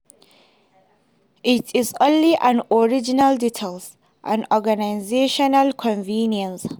It is only an operational detail, an organisational convenience.